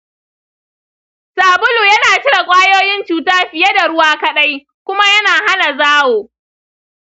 sabulu yana cire ƙwayoyin cuta fiye da ruwa kaɗai, kuma yana hana zawo.